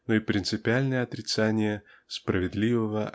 но и принципиальное отрицание справедливого